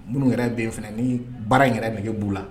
Minnu yɛrɛ bɛ yen fana ni baara yɛrɛ bɛge b'u la